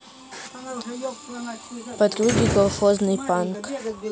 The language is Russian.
подруги колхозный панк